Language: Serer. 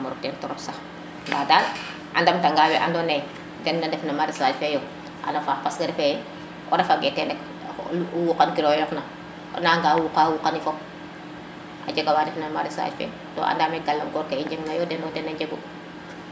gijamo roq ten trop sax nda dal a ndam ta nga we ando naye den ndef no maraisage fe xana faax parce refe ye o refa nge teen rek wukan kino we yoq na a nanga wuqa yo wuqani fop a jega wa ndef na no maraisage fe to anda me galang kor ke i njeg na yo deno de na njengu yo